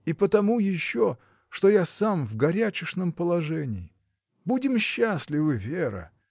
и потому еще, что я сам в горячешном положении. Будем счастливы, Вера!